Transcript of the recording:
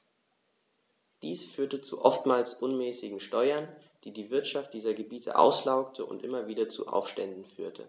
Dies führte zu oftmals unmäßigen Steuern, die die Wirtschaft dieser Gebiete auslaugte und immer wieder zu Aufständen führte.